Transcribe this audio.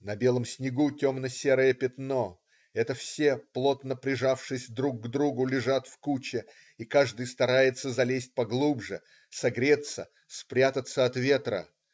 На белом снегу - темно-серое пятно - это все, плотно прижавшись друг к другу, лежат в куче, и каждый старается залезть поглубже, согреться, спрятаться от ветра.